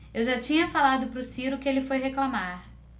eu já tinha falado pro ciro que ele foi reclamar